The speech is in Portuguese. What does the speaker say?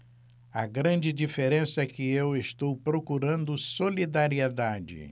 a grande diferença é que eu estou procurando solidariedade